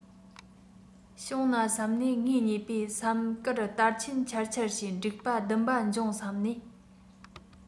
བྱུང ན བསམས ནས ངེད གཉིས པོས བསམ དཀར དར ཆེན འཕྱར འཕྱར བྱས འགྲིག པ སྡུམ པ འབྱུང བསམ ནས